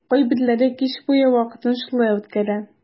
Кайберләре кич буе вакытын шулай үткәрә.